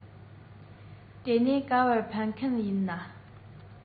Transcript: དེ ནས ག པར ཕེབས མཁན ཡིན པྰ